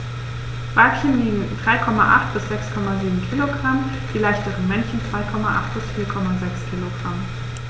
Weibchen wiegen 3,8 bis 6,7 kg, die leichteren Männchen 2,8 bis 4,6 kg.